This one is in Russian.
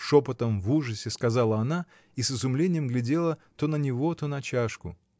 — шепотом, в ужасе сказала она и с изумлением глядела то на него, то на чашку.